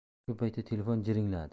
shu paytda telefon jiringladi